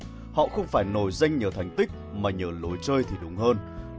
họ ko phải nổi danh nhờ thành tích mà nhờ lối chơi